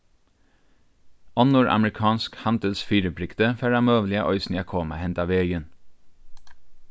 onnur amerikonsk handilsfyribrigdi fara møguliga eisini at koma henda vegin